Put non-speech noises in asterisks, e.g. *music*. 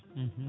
*hesitation* *hesitation*